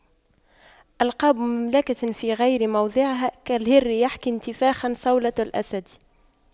ألقاب مملكة في غير موضعها كالهر يحكي انتفاخا صولة الأسد